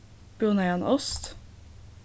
búnaðan ost